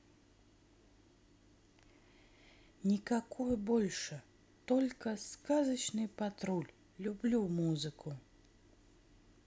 никакой больше только сказочный патруль люблю музыку